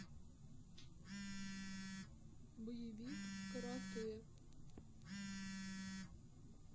боевик карате